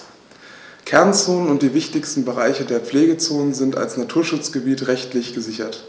Kernzonen und die wichtigsten Bereiche der Pflegezone sind als Naturschutzgebiete rechtlich gesichert.